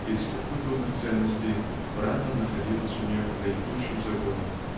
из всех культурных ценностей право находилось у нее в наибольшем загоне.